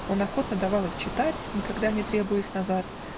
Он охотно давал их читать, никогда не требуя их назад